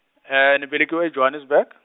ni velekiwe e- Johannesburg.